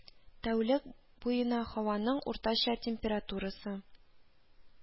Тәүлек буена һаваның уртача температурасы